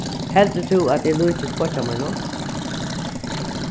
heldur tú at eg líkist beiggja mínum